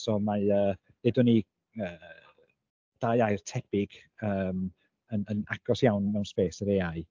so mae yy ddeudwn ni yy dau air tebyg yym yn agos iawn mewn space yr AI.